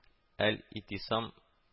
“әл-и'тисам”